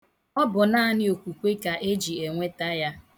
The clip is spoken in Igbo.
Ọ bụ naanị okwukwe ka eji enweta ya.